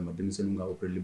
A ma denmisɛnnin ka